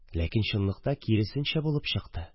Ләкин чынлыкта киресенчә булып чыкты.